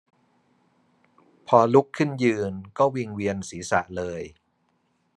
พอลุกขึ้นยืนก็วิงเวียนศีรษะเลย